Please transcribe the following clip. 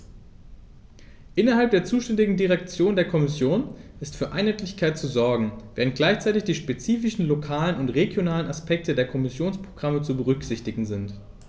Innerhalb der zuständigen Direktion der Kommission ist für Einheitlichkeit zu sorgen, während gleichzeitig die spezifischen lokalen und regionalen Aspekte der Kommissionsprogramme zu berücksichtigen sind.